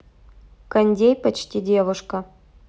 кондей почти девушка